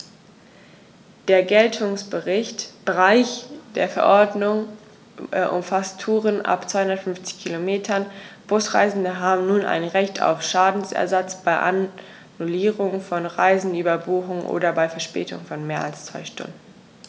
Der Geltungsbereich der Verordnung umfasst Touren ab 250 Kilometern, Busreisende haben nun ein Recht auf Schadensersatz bei Annullierung von Reisen, Überbuchung oder bei Verspätung von mehr als zwei Stunden.